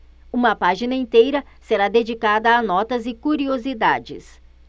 uma página inteira será dedicada a notas e curiosidades